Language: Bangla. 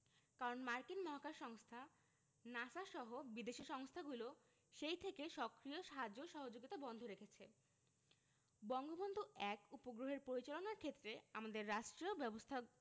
কারণ মার্কিন মহাকাশ সংস্থা নাসা সহ বিদেশি সংস্থাগুলো সেই থেকে সক্রিয় সাহায্য সহযোগিতা বন্ধ রেখেছে বঙ্গবন্ধু ১ উপগ্রহের পরিচালনার ক্ষেত্রে আমাদের রাষ্ট্রীয় ব্যবস্থা